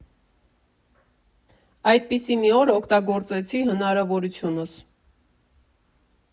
Այդպիսի մի օր օգտագործեցի հնարավորությունս։